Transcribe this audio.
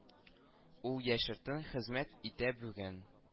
Ул яшертен хезмәт итә бүген